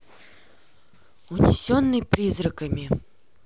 унесенный призраками